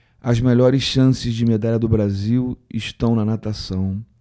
as melhores chances de medalha do brasil estão na natação